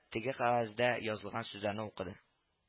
Теге кәгазьдә язылган сүзләрне укыды: